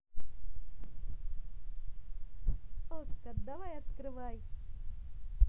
okko давай открывай